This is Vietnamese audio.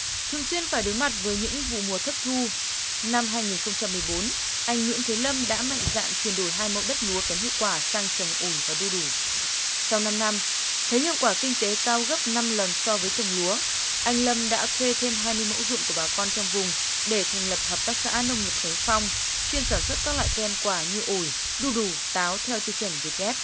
thường xuyên phải đối mặt với những vụ mùa thất thu năm hai nghìn không trăm mười bốn anh nguyễn thế lâm đã mạnh dạn chuyển đổi hai mô đất lúa kém hiệu quả sang trồng ổi và đu đủ sau năm năm thấy hiệu quả kinh tế cao gấp năm lần so với trồng lúa anh lâm đã thuê thêm hai mươi mẫu ruộng của bà con trong vùng để thành lập hợp tác xã nông nghiệp khánh phong chuyên sản xuất các loại cây ăn quả như ổi đu đủ táo theo tiêu chuẩn việt gép